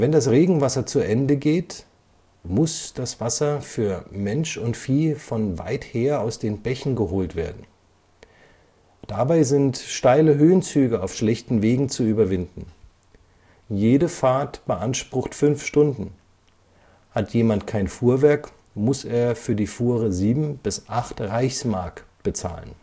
das Regenwasser zu Ende geht, muß das Wasser für Mensch und Vieh von weither aus den Bächen geholt werden. Dabei sind steile Höhenzüge auf schlechten Wegen zu überwinden. Jede Fahrt beansprucht fünf Stunden. Hat jemand kein Fuhrwerk, muß er für die Fuhre 7 bis 8 Reichsmark bezahlen